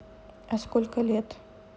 а сколько лет